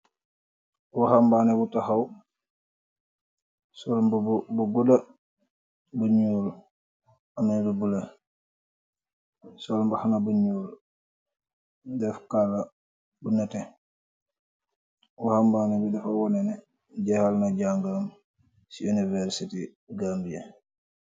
Waxambaane bu taxaw ,sol mbbu bu gudda bu ñuul ameei lu bule, sol mba xana bu ñuul def kala bu nete. Waxambaane bi dafa wone ne jeexal na jàngam, ci university gambie.